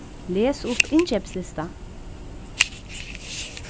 les upp innkeypslista